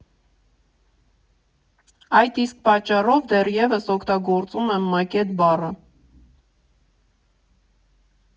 Այդ իսկ պատճառով դեռևս օգտագործում եմ մակետ բառը։